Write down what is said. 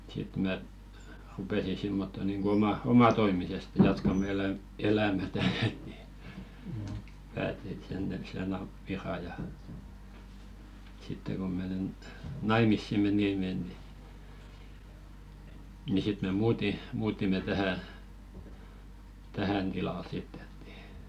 sitten minä rupesin semmottoon niin kuin - omatoimisesti jatkamaan - elämää niin päätin että sen ja ja ja sitten kun menen naimisiin menimme niin niin sitten me - muutimme tähän tähän tilalle sitten että niin